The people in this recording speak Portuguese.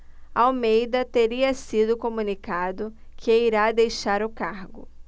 almeida teria sido comunicado que irá deixar o cargo